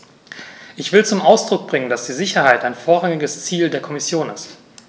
Ich will zum Ausdruck bringen, dass die Sicherheit ein vorrangiges Ziel der Kommission ist.